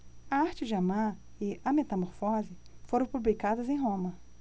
a arte de amar e a metamorfose foram publicadas em roma